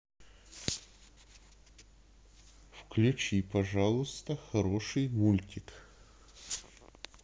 включи пожалуйста хороший мультик